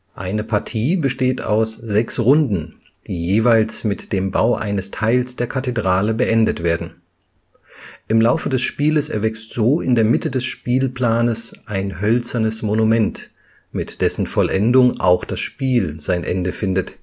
Eine Partie besteht aus sechs Runden, die jeweils mit dem Bau eines Teils der Kathedrale beendet werden. Im Laufe des Spieles erwächst so in der Mitte des Spielplanes ein hölzernes Monument, mit dessen Vollendung auch das Spiel sein Ende findet